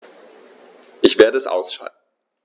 Ich werde es ausschalten